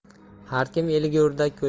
har kim eliga o'rdak ko'liga